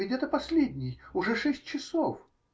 Ведь это последний -- уже шесть часов!